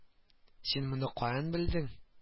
Син моны каян белдең